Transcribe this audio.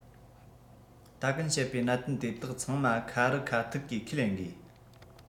ད གིན བཤད པའི གནད དོན དེ དག ཚང མ ཁ རི ཁ ཐུག གིས ཁས ལེན དགོས